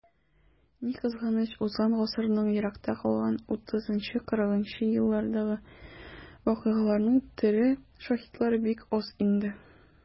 Ни кызганыч, узган гасырның еракта калган 30-40 нчы елларындагы вакыйгаларның тере шаһитлары бик аз инде.